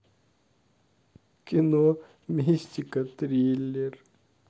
кино мистика триллер